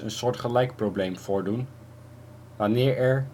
soortgelijk probleem voordoen, wanneer er